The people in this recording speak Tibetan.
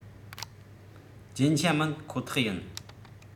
རྒྱན ཆ མིན ཁོ ཐག ཡིན